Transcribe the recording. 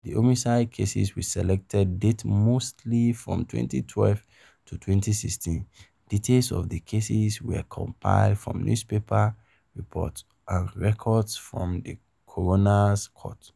The homicide cases we selected date mostly from 2012 to 2016. Details of the cases were compiled from newspaper reports and records from the Coroner's Court.